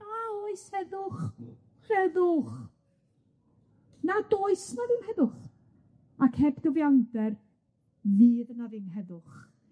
A oes heddwch rhedwch nad oes 'na ddim heddwch ac heb gyfiawnder fydd na ddim heddwch